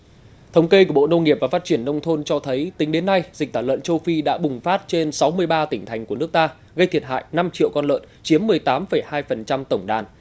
thống kê của bộ nông nghiệp và phát triển nông thôn cho thấy tính đến nay dịch tả lợn châu phi đã bùng phát trên sáu mươi ba tỉnh thành của nước ta gây thiệt hại năm triệu con lợn chiếm mười tám phẩy hai phần trăm tổng đàn